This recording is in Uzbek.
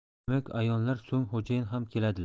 demak a'yonlar so'ng xo'jayin ham keladilar